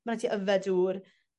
Ma' raid ti yfed dŵr.